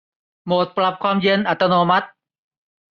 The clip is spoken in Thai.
โหมดปรับความเย็นอัตโนมัติ